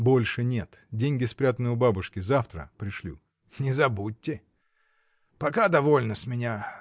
— Больше нет: деньги спрятаны у бабушки, завтра пришлю. — Не забудьте. Пока довольно с меня.